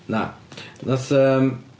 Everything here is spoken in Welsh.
Na, wnaeth yym...